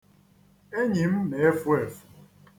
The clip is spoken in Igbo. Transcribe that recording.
Enyi m na-efu efu.